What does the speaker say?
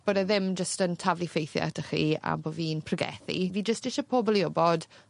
Bod e ddim jyst yn taflu ffeithie atych chi a bo' fi'n pregethu, fi jyst isie pobol i wbod